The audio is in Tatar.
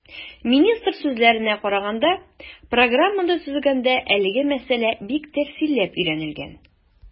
Министр сүзләренә караганда, программаны төзегәндә әлеге мәсьәлә бик тәфсилләп өйрәнелгән.